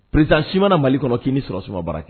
Président si ma na Mali kɔnɔ k'i sɔrɔdasiw ma baara kɛ